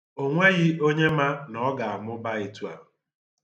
O nweghị onye ma na ọ ga-emụba etu a.